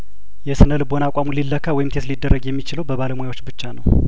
የስነልቦና አቋሙ ሊለካ ወይም ቴስት ሊደረግ የሚችለው በባለሙያዎች ብቻ ነው